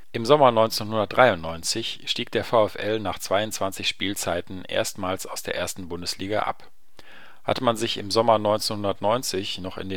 Im Sommer 1993 stieg der VfL nach 22 Spielzeiten erstmals aus der 1. Bundesliga ab. Hatte man sich im Sommer 1990 noch in